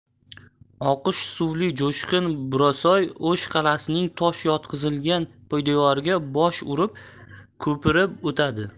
oqish suvli jo'shqin burasoy o'sh qalasining tosh yotqizilgan poydevoriga bosh urib ko'pirib o'tadi